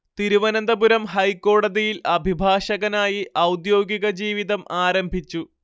തിരുവനന്തപുരം ഹൈക്കോടതിയിൽ അഭിഭാഷകനായി ഔദ്യോഗിക ജീവിതം ആരംഭിച്ചു